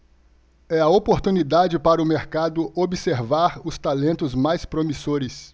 é a oportunidade para o mercado observar os talentos mais promissores